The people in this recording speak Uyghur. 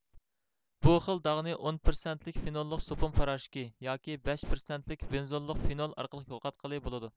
بۇ خىل داغنى ئون پىرسەنتلىك فىنوللۇق سوپۇن پاراشوكى ياكى بەش پىرسەنتلىك بېنزوللۇق فىنول ئارقىلىق يوقاتقىلى بولىدۇ